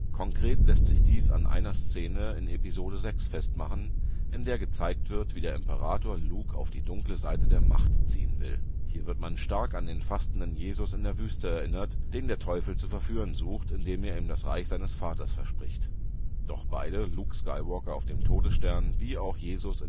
Konkret lässt sich dies an einer Szene in Episode VI festmachen, in der gezeigt wird, wie der Imperator Luke auf die dunkle Seite der Macht ziehen will. Hier wird man stark an den fastenden Jesus in der Wüste erinnert, den der Teufel zu verführen sucht, indem er ihm das Reich seines (Jesu) Vaters verspricht. Doch beide, Luke Skywalker auf dem Todesstern wie auch Jesus